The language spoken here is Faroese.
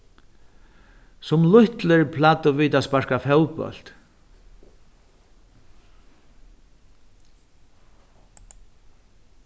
sum lítlir plagdu vit at sparka fótbólt